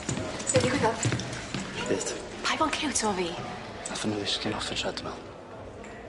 Be' ddigwyddodd? Shit. Pai' bo'n ciwt efo fi. Nathon nw ddisgyn off y treadmill.